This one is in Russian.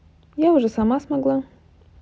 я уже сама смогла